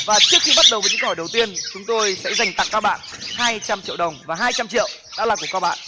và trước khi bắt đầu với những người đầu tiên chúng tôi sẽ dành tặng các bạn hai trăm triệu đồng và hai trăm triệu đã là của các bạn